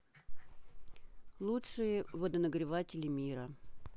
лучшие водонагреватели мира